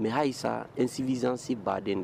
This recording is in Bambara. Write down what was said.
Mɛ ha yei sa nsivizsi bad dɛ